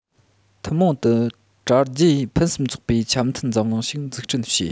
ཐུན མོང དུ གྲ རྒྱས ཕུན སུམ ཚོགས པའི འཆམ མཐུན འཛམ གླིང ཞིག འཛུགས སྐྲུན བྱས